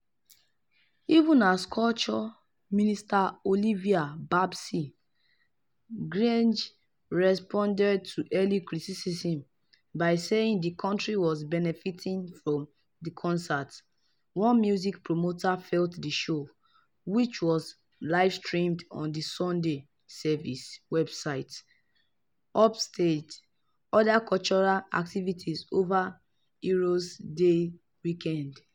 Even as Culture Minister Olivia "Babsy" Grange responded to early criticism by saying the country was benefitting from the concert, one music promoter felt the show, which was livestreamed on the Sunday Service website, "upstaged" other cultural activities over Heroes Day weekend.